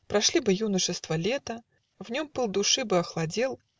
Прошли бы юношества лета: В нем пыл души бы охладел.